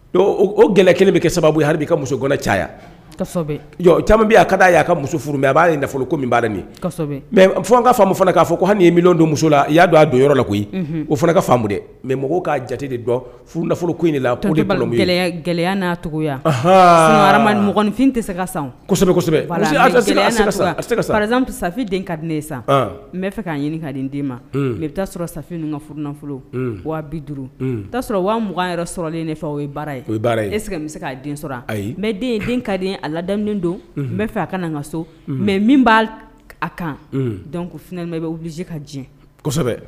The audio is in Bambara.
O gɛlɛya kelen bɛ kɛ sababu hali' i ka musoɛ caya caman a ka'a y aa ka muso furubɛ a'a nafolo ko b'a mɛ fo an ka k'a fɔ ko hali ye min don muso la i y'a don a don yɔrɔ la koyi o fana ka faamu dɛ mɛ mɔgɔw'a jate de dɔn f nafolo in la gɛlɛya n'a cogoinfin tɛ se ka saz safin den ka di ye san n fɛ k'a ɲini ka di' ma mɛ bɛ taa sɔrɔ safin ka f nafolo wa bi duuru o' sɔrɔ wa mugan yɛrɛ sɔrɔlen ne fɛ o baara ye ye e se se ka den sɔrɔ mɛ den den ka di a lada don n'a fɛ a ka n ka so mɛ min b'a a kan ko f bɛ ka diɲɛ